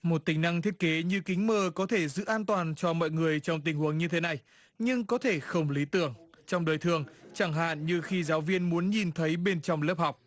một tính năng thiết kế như kính mờ có thể giữ an toàn cho mọi người trong tình huống như thế này nhưng có thể không lý tưởng trong đời thường chẳng hạn như khi giáo viên muốn nhìn thấy bên trong lớp học